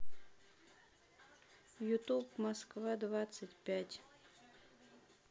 ютуб москва двадцать пять